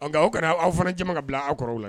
Kɛra aw fana jama ka bila aw kɔrɔw la